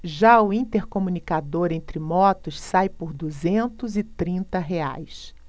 já o intercomunicador entre motos sai por duzentos e trinta reais